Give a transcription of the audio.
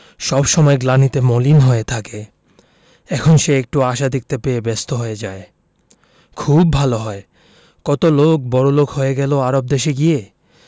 এখন যদি ঘরে বসে পড়তে তাহলে কেমন লাগত শরিফা ওহ ঘরে এখন ভারি ঠাণ্ডা খুব শীত করত নানা তা হলেই বোঝ